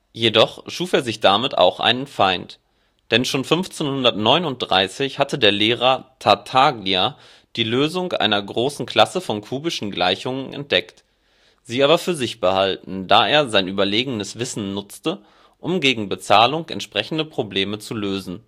Jedoch schuf er sich damit auch einen Feind. Denn schon 1539 hatte der Lehrer Tartaglia die Lösungen einer großen Klasse von kubischen Gleichungen entdeckt, sie aber für sich behalten, da er sein überlegenes Wissen nutzte, um gegen Bezahlung entsprechende Probleme zu lösen